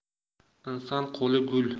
inson qo'li gul